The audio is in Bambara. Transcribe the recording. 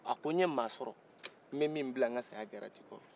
a ko n ye maa sɔrɔ n bɛ min bila n ka saya garanti kɔrɔ